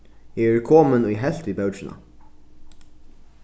eg eri komin í helvt við bókina